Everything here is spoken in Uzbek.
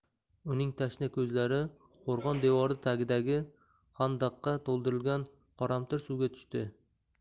uning tashna ko'zlari qo'rg'on devori tagidagi xan daqqa to'ldirilgan qoramtir suvga tushdi